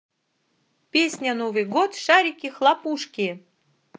песня новый год шарики хлопушки